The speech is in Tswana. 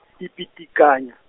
ipitikanya.